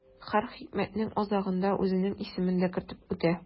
Һәр хикмәтнең азагында үзенең исемен дә кертеп үтә.